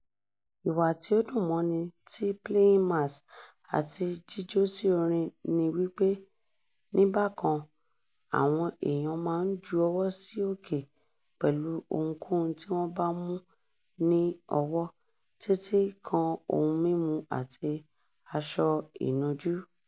Ìwà tí ó dùn mọ́ni ti "playing mas'" àti jíjó sí orin ni wípé ní bákan, àwọn èèyàn máa ń ju ọwọ́ sí òkè, pẹ̀lú ohunkóhun tí wọ́n bá mú ní ọwọ́, títì kan ohun-mímu àti aṣọ inujú.